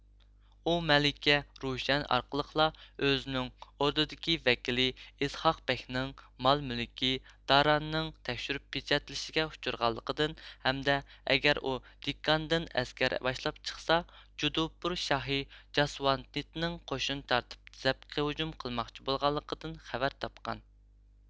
ئۇ مەلىكە روشەن ئارقىلىقلا ئۆزىنىڭ ئوردىدىكى ۋەكىلى ئىسھاقبەگنىڭ مال مۈلكى دارانىڭ تەكشۈرۈپ پېچەتلىشىگە ئۇچرىغانلىقىدىن ھەمدە ئەگەر ئۇ دېككاندىن ئەسكەر باشلاپ چىقسا جودپۇر شاھى جاسۋانتنىڭ قوشۇن تارتىپ زەپكە ھۇجۇم قىلماقچى بولغانلىقىدىن خەۋەر تاپقان